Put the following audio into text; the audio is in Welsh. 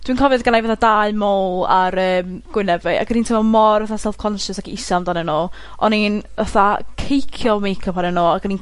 dwi'n cofio odd gennai fatha dau mole ar yym gwyneb fi, ac o'n i'n teimlo mor fathat self concious ac isel amdanyn nw. O'n i'n fatha ceicio make up arnyn nw ag o'n i'n